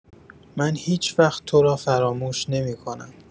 من هیچ‌وقت تو را فراموش نمی‌کنم.